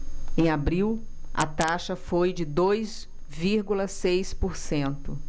em abril a taxa foi de dois vírgula seis por cento